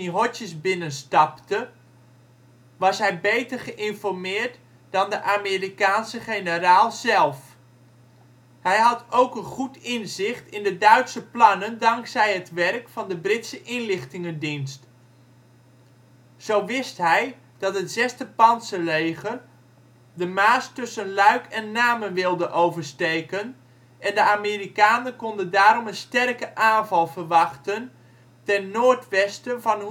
Hodges binnenstapte, was hij beter geïnformeerd dan de Amerikaanse generaal zelf. Hij had ook een goed inzicht in de Duitse plannen dankzij het werk van de Britse inlichtingendienst. Zo wist hij dat het 6e pantserleger de Maas tussen Luik en Namen wilde oversteken, en de Amerikanen konden daarom een sterke aanval verwachten ten noordwesten van